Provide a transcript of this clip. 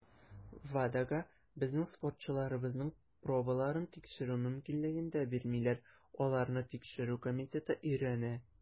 WADAга безнең спортчыларыбызның пробаларын тикшерү мөмкинлеген дә бирмиләр - аларны Тикшерү комитеты өйрәнә.